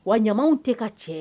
Wa ɲamaw tɛ ka cɛ